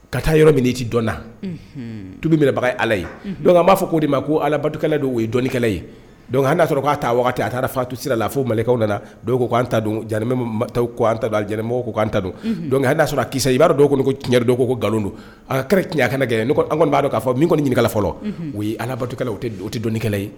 Ka taa yɔrɔ min i ci dɔnna tubi minɛbaga ala ye a b'a fɔ o de ma ko alabatokɛla don o ye dɔnkɛla ye'a sɔrɔ k'a taa waati a taara faatu sira la fo makaw nana ko ta koan tamɔgɔ ko'an ta don'a sɔrɔ a ki i b'a dɔn kɔnɔ ko cɛn don ko nkalon don a kɛra tiɲɛya kana gɛlɛn anw b' dɔn k'a fɔ min kɔni ɲini fɔlɔ o ye alabato o tɛ o tɛ dɔnkɛla ye